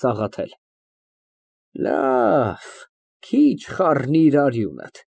ՍԱՂԱԹԵԼ ֊ Լավ, քիչ խառնիր արյունդ։